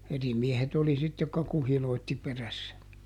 eri miehet oli sitten jotka kuhiloitsi perässä